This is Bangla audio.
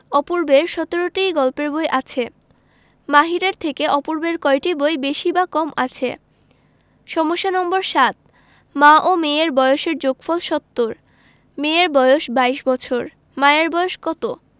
অপূর্বের ১৭টি গল্পের বই আছে মাহিরের থেকে অপূর্বের কয়টি বই বেশি বা কম আছে সমস্যা নম্বর ৭ মা ও মেয়ের বয়সের যোগফল ৭০ মেয়ের বয়স ২২ বছর মায়ের বয়স কত